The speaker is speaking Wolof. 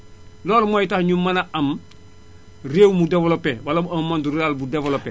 loolu mooy tax ñu mën a am réew mu développé wala un monde rural bu développé